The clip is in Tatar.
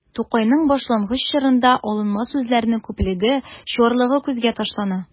Тукайның башлангыч чорында алынма сүзләрнең күплеге, чуарлыгы күзгә ташлана.